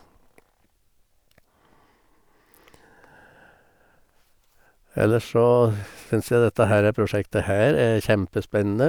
Ellers så syns jeg dette herre prosjektet her er kjempespennende.